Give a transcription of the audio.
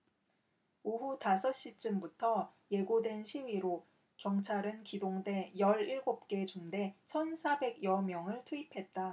오후 다섯 시쯤부터 예고된 시위로 경찰은 기동대 열 일곱 개 중대 천 사백 여 명을 투입했다